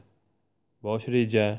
bosh reja